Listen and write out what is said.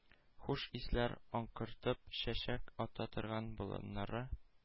Хуш исләр аңкытып чәчәк ата торган болыннарны,